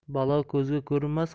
balo ko'zga ko'rinmas